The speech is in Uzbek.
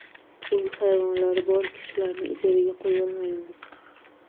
uy hayvonlari bor kishilarni ijaraga qoyolmaymiz